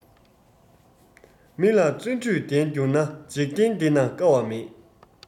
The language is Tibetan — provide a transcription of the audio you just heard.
མི ལ བརྩོན འགྲུས ལྡན འགྱུར ན འཇིག རྟེན འདི ན དཀའ བ མེད